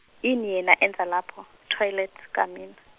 ini yena enza lapho toilet kamina.